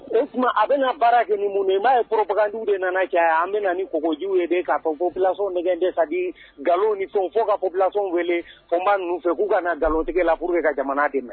O tuma a bɛna na baara kɛ mununi n'a ye pbaju de nana caya an bɛ na ojuw ye de ka ko bila nɛgɛ de ka di ni fo ka ko bila'a ninnu fɛ k'u kana nkalonlo tigɛlauru de ka jamana de na